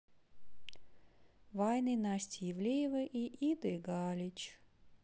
вайны насти ивлеевой и иды галич